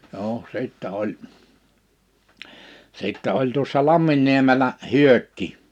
no sitten oli sitten oli tuossa Lamminniemellä Hyökki